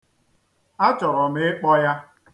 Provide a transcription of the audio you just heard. Achọrọ m ịkpọ ya.